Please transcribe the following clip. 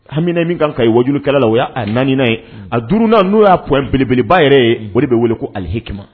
Hamiminaina min kan ka ye wa walijukɛla la o y'a naanianiinaa ye aurununa n'o y'a p belebeleba yɛrɛ ye boli bɛ wele ko alihki